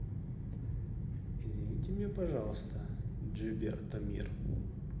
извините меня пожалуйста giberto мир